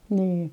niin